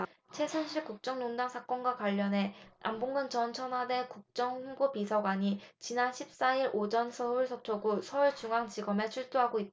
최순실 국정농단 사건과 관련해 안봉근 전 청와대 국정홍보비서관이 지난 십 사 일 오전 서울 서초구 서울중앙지검에 출두하고 있다